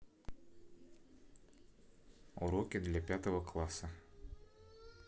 уроки для пятого класса